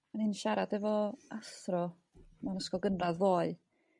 O'n i'n siarad efo athro mewn ysgol gynradd ddoe,